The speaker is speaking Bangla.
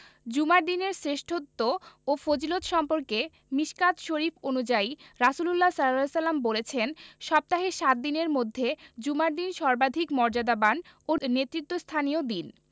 জুমার দিনের শ্রেষ্ঠত্ব ও ফজিলত সম্পর্কে মিশকাত শরিফ অনুযায়ী রাসুলুল্লাহ সা বলেছেন সপ্তাহের সাত দিনের মধ্যে জুমার দিন সর্বাধিক মর্যাদাবান ও নেতৃত্বস্থানীয় দিন